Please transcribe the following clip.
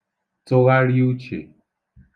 tụgharị uchè